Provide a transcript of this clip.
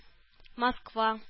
Москва